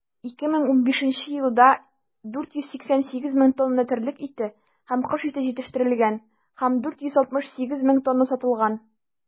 2015 елда 488 мең тонна терлек ите һәм кош ите җитештерелгән һәм 468 мең тонна сатылган.